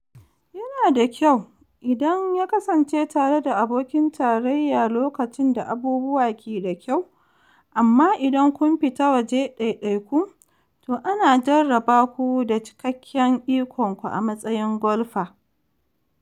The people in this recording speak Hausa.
Yana da kyau idan ya kasance tare da abokin tarayya lokacin da abubuwa ke da kyau, amma idan kun fita waje ɗaidaiku, to ana jarraba ku da cikakken ikon ku a matsayin golfer.